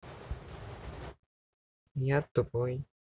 я тупой